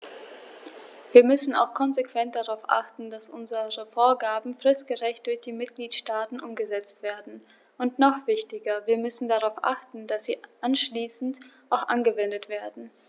Wir müssen auch konsequent darauf achten, dass unsere Vorgaben fristgerecht durch die Mitgliedstaaten umgesetzt werden, und noch wichtiger, wir müssen darauf achten, dass sie anschließend auch angewendet werden.